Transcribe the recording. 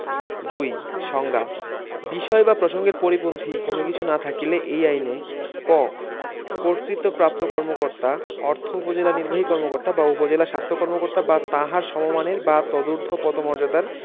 ২ সংজ্ঞাঃ বিষয় বা প্রসংগের পরিপন্থী কোন কিছু না থাকিলে এই আইনেঃ ক কর্তৃত্তবপ্রাপ্ত কর্মকর্তা অর্থ উপজেলা নির্বাহী কর্মকর্তা বা উপজেলা স্বাস্থ্য কর্মকর্তা বা তাঁহার সমমানের বা তদূর্ধ্ব পদমর্যাদার